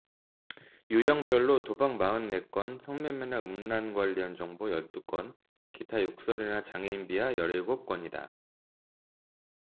유형별로 도박 마흔 네 건 성매매나 음란 관련 정보 열 두 건 기타 욕설이나 장애인 비하 열 일곱 건이다